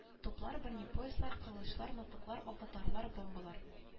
Туплар бронепоездлар кылычлар мылтыклар алтатарлар бомбалар